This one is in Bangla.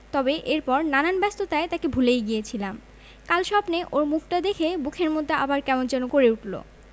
তবে এরপর নানান ব্যস্ততায় তাকে ভুলেই গিয়েছিলাম কাল স্বপ্নে ওর মুখটা দেখে বুকের মধ্যে আবার কেমন যেন করে উঠল